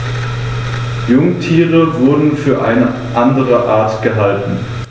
Jungtiere wurden für eine andere Art gehalten.